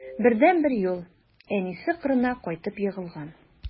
Бердәнбер юл: әнисе кырына кайтып егылган.